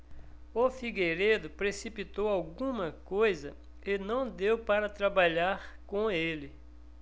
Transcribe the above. o figueiredo precipitou alguma coisa e não deu para trabalhar com ele